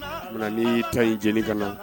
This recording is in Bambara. Ni ta in jeni ka na